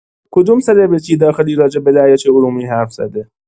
کدوم سلیبرتی داخلی راجع‌به دریاچه ارومیه حرف زده؟